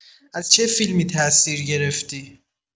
از چه فیلمی تاثیر گرفتی؟